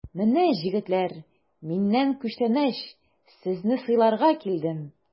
Менә, җегетләр, миннән күчтәнәч, сезне сыйларга килдем!